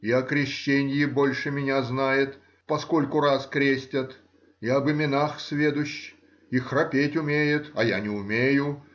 и о крещенье больше меня знает, по скольку раз крестят, и об именах сведущ, и храпеть умеет, а я не умею